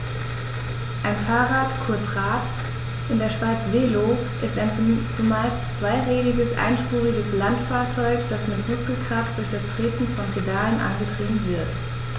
Ein Fahrrad, kurz Rad, in der Schweiz Velo, ist ein zumeist zweirädriges einspuriges Landfahrzeug, das mit Muskelkraft durch das Treten von Pedalen angetrieben wird.